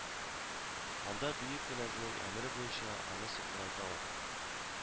Анда бөек кенәзнең әмере буенча аны сукырайталар